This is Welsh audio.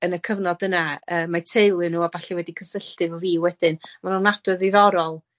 yn y cyfnod yna yy mae teulu nw a ballu wedi cysylltu efo fi wedyn. Ma'n ofnadw ddiddorol.